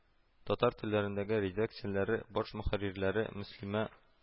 Татар телләрендәге редакцияләре баш мөхәррирләре, "мөслимә"